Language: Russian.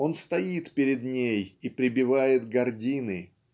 Он стоит перед ней и прибивает гардины.